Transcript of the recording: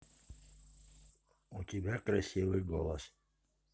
у тебя такой красивый голос